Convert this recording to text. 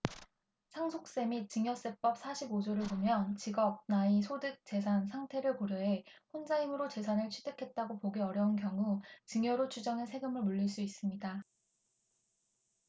상속세 및 증여세법 사십 오 조를 보면 직업 나이 소득 재산 상태 등을 고려해 혼자 힘으로 재산을 취득했다고 보기 어려운 경우 증여로 추정해 세금을 물릴 수 있습니다